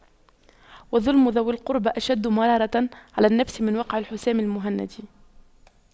وَظُلْمُ ذوي القربى أشد مرارة على النفس من وقع الحسام المهند